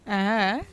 Ɛɛ